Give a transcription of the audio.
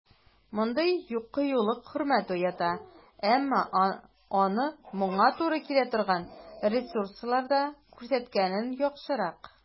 Мондый кыюлык хөрмәт уята, әмма аны моңа туры килә торган ресурсларда күрсәткәнең яхшырак.